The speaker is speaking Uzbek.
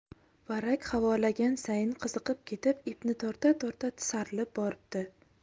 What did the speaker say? varrak havolagan sayin qiziqib ketib ipni torta torta tisarilib boribdi